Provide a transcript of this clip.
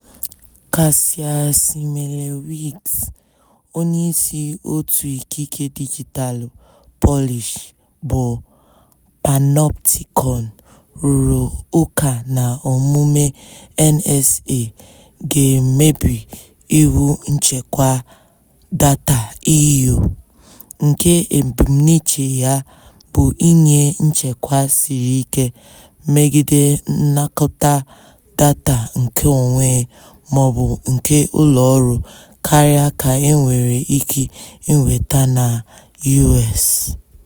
Kasia Szymielewicz, onyeisi òtù ikike dijitaalụ Polish bụ Panoptykon, rụrụ ụka na omume NSA ga-emebi iwu nchekwa data EU, nke ebumnuche ya bụ inye nchekwa siri ike megide nnakọta data nkeonwe maọbụ nke ụlọọrụ karịa ka e nwere ike inweta na US.